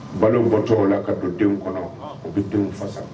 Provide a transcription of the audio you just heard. Balo bɔcogo la ka don denw kɔnɔ u bɛ denw fasa